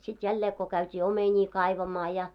sitten jälleen kun käytiin omenia kaivamaan ja